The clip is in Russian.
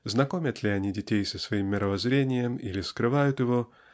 знакомят ли они детей со своим мировоззрением или скрывают его